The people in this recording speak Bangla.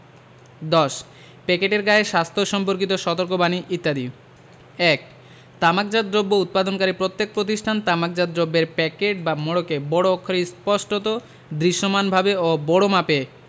১০ প্যাকেটের গায়ে স্বাস্থ্য সম্পর্কিত সতর্কবাণী ইত্যাদিঃ ১ তামাকজাত দ্রব্য উৎপাদনকারী প্রত্যক প্রতিষ্ঠান তামাকজাত দ্রব্যের প্যাকেট বা মোড়কে বড় অক্ষরে স্পষ্টত দৃশ্যমানভাবে ও বড়মাপে